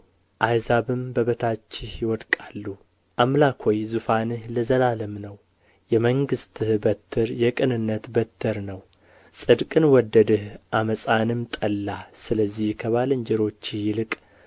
አሕዛብም በበታችህ ይወድቃሉ አምላክ ሆይ ዙፋንህ ለዘላለም ነው የመንግሥትህ በትር የቅንነት በትር ነው ጽድቅን ወደድህ ዓመፃንም ጠላህ ስለዚህ ከባልንጀሮችህ ይልቅ